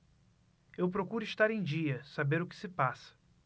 eu procuro estar em dia saber o que se passa